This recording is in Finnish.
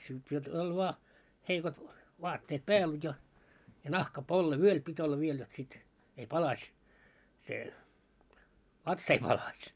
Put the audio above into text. kyllä siellä oli vain heikot vaatteet päällä ja ja nahkapolle vyöllä piti olla vielä jotta sitten ei palasi se vatsa ei palasi